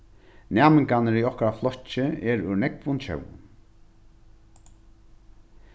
næmingarnir í okkara flokki eru úr nógvum tjóðum